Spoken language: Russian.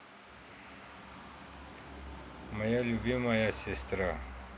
моя любимая сестра